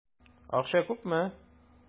Акча күпме?